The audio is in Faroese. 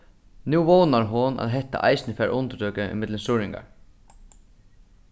nú vónar hon at hetta eisini fær undirtøku millum suðuroyingar